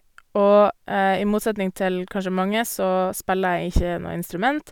Og i motsetning til kanskje mange, så spiller jeg ikke noe instrument.